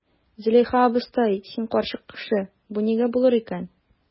Зөләйха абыстай, син карчык кеше, бу нигә булыр икән?